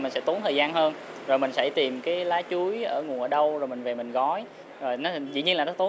mình sẽ tốn thời gian hơn rồi mình sẽ tìm cái lá chuối ở nguồn ở đâu rồi mình về mình gói rồi nó hình dĩ nhiên là nó tốn